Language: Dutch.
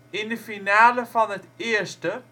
In de finale van het eerste